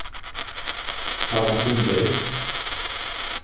pálmasunnudegi